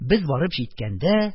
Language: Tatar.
Без барып җиткәндә,